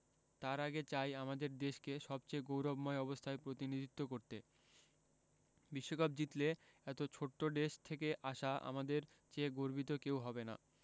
তার আগে চাই আমাদের দেশকে সবচেয়ে গৌরবময় অবস্থায় প্রতিনিধিত্ব করতে বিশ্বকাপ জিতলে এত ছোট্ট দেশ থেকে আসা আমাদের চেয়ে গর্বিত কেউ হবে না